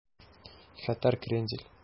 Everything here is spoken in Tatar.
Хәтәр крендель